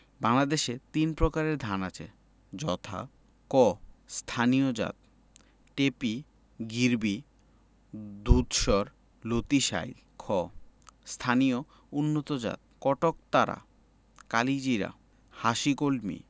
বাংলাদেশে তিন প্রকারের ধান আছে যথাঃ ক স্থানীয় জাতঃ টেপি গিরবি দুধসর লতিশাইল খ স্থানীয় উন্নতজাতঃ কটকতারা কালিজিরা হাসিকলমি